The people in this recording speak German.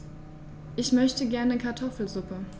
Ich möchte gerne Kartoffelsuppe.